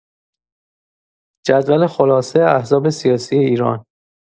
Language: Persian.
جدول خلاصه احزاب سیاسی ایران